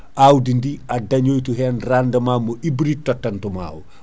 awdidi a dañaytu hen rendement mo hybride totantu ma o